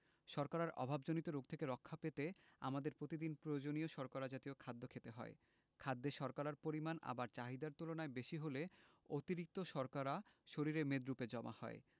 শর্করার অভাবজনিত রোগ থেকে রক্ষা পেতে আমাদের প্রতিদিন প্রয়োজনীয় শর্করা জাতীয় খাদ্য খেতে হয় খাদ্যে শর্করার পরিমাণ আবার চাহিদার তুলনায় বেশি হলে অতিরিক্ত শর্করা শরীরে মেদরুপে জমা হয়